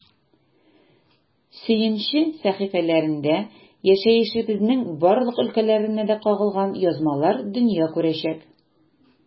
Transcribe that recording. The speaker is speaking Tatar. “сөенче” сәхифәләрендә яшәешебезнең барлык өлкәләренә дә кагылган язмалар дөнья күрәчәк.